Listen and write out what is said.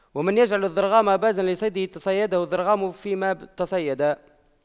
ومن يجعل الضرغام بازا لصيده تَصَيَّدَهُ الضرغام فيما تصيدا